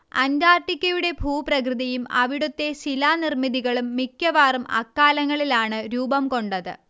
അന്റാർട്ടിക്കയുടെ ഭൂപ്രകൃതിയും അവിടുത്തെ ശിലാനിർമ്മിതികളും മിക്കവാറും അക്കാലങ്ങളിലാണ് രൂപം കൊണ്ടത്